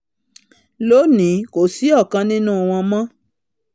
'Lóòní, kòsí ọkàn nínú wọn mọ́.''